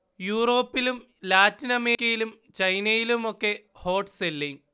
യൂറോപ്പിലും ലാറ്റിൻ അമേരിക്കയിലും ചൈനയിലുമൊക്കെ ഹോട്ട് സെല്ലിങ്